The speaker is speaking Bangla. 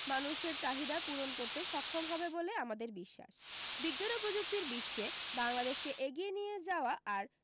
মানুষের চাহিদা পূরণ করতে সক্ষম হবে বলে আমাদের বিশ্বাস বিজ্ঞান ও প্রযুক্তির বিশ্বে বাংলাদেশকে এগিয়ে নিয়ে যাওয়া আর